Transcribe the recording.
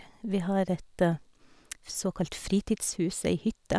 Vi har et såkalt fritidshus, ei hytte.